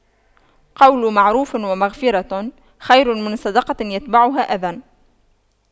قَولٌ مَّعرُوفٌ وَمَغفِرَةُ خَيرٌ مِّن صَدَقَةٍ يَتبَعُهَا أَذًى